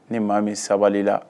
Ni maa min sabali la